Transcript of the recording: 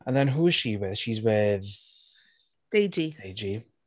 And then who's she with? She's with... Deji... Deji.